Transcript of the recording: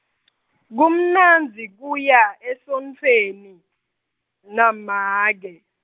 kumnandzi kuya, esontfweni, na make.